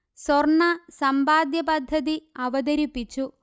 സ്വർണ സമ്പാദ്യ പദ്ധതി അവതരിപ്പിച്ചു